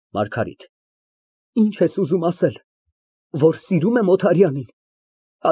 ՄԱՐԳԱՐԻՏ ֊ Ի՞նչ ես ուզում ասել։ Որ սիրո՞ւմ եմ Օթարյանին։